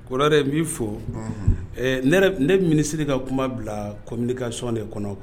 Kore n b'i fɔ ɛɛ ne minsiri ka kuma bila kobilika sɔn de kɔnɔ